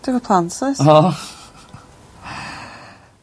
Dwi efo plant does? O!